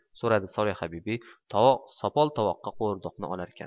so'radi solihabibi sopol tovoqqa qovurdoqni olarkan